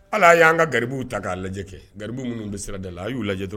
Ala y'an ka garibuw ta k'a lajɛ kɛ garibuw minnu bɛ sirada la a y'u lajɛ dɔrɔn